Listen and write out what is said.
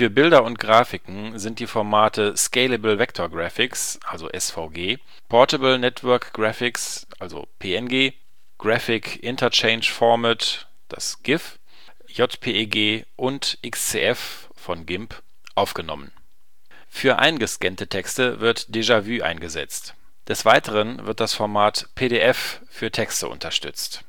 Bilder und Grafiken sind die Formate Scalable Vector Graphics (SVG), Portable Network Graphics (PNG), Graphics Interchange Format (GIF), JPEG und XCF (GIMP) aufgenommen. Für eingescannte Texte wird DjVu eingesetzt. Des Weiteren wird das Format PDF (für Texte) unterstützt